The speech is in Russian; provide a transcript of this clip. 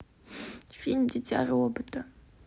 фильм дитя робота